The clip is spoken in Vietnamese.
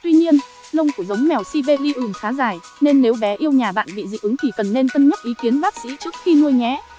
tuy nhiên lông của giống mèo siberian khá dài nên nếu bé yêu nhà bạn bị dị ứng thì cần nên cân nhắc ý kiến bác sĩ trước khi nuôi nhé